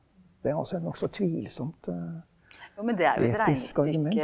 det er altså et nokså tvilsomt etisk argument.